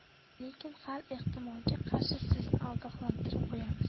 lekin har ehtimolga qarshi sizni ogohlantirib qo'yamiz